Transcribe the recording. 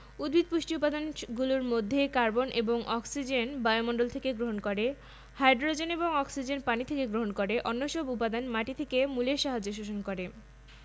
উদ্ভিদ পুষ্টি উপাদানগুলোর মধ্যে কার্বন এবং অক্সিজেন বায়ুমণ্ডল থেকে গ্রহণ করে হাই্ড্রোজেন এবং অক্সিজেন পানি থেকে গ্রহণ করে অন্যসব উপাদান মাটি থেকে মূলের সাহায্যে শোষণ করে